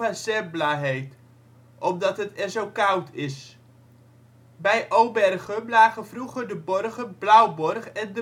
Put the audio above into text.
heet, omdat het " er zo koud is ". Bij Obergum lagen vroeger de borgen Blauwborg en